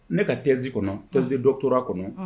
Ne ka thèse kɔnɔ thèse de doctorat kɔnɔ